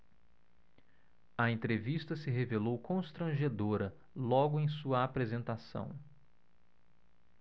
a entrevista se revelou constrangedora logo em sua apresentação